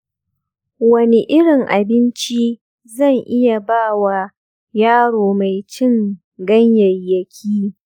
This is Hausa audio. wani irin abinci zan iya ba wa yaro mai cin ganyayyaki?